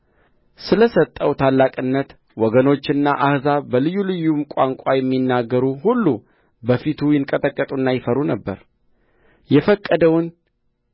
ስለ ሰጠው ታላቅነት ወገኖችና አሕዛብ በልዩ ልዩም ቋንቋ የሚናገሩ ሁሉ በፊቱ ይንቀጠቀጡና ይፈሩ ነበር የፈቀደውን